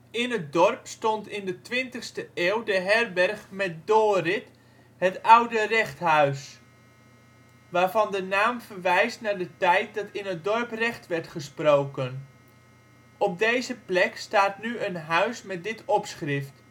In het dorp stond tot in de 20e eeuw de herberg met doorrit " Het Oude Rechthuis ", waarvan de naam verwijst naar de tijd dat in het dorp recht werd gesproken. Op deze plek staat nu een huis met dit opschrift